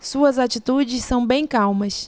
suas atitudes são bem calmas